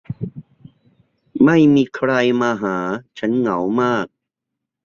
ไม่มีใครมาหาฉันเหงามาก